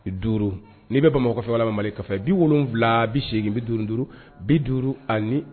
Duuru n'i bɛ bamakɔ kɔfɛ walimalama kɔfɛ bi wolowula bi segingin bi duuru duuru bi duuru ani